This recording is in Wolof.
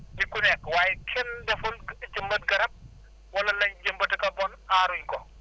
nit ku nekk waaye kenn deful jëmbat garab wala lañ jëmbat a ka bon aaruñu ko